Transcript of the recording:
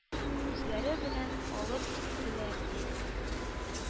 Үзләре белән алып киттеләр, ди,